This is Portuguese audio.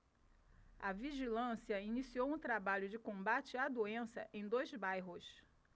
a vigilância iniciou um trabalho de combate à doença em dois bairros